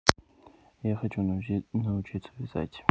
я хочу научиться вязать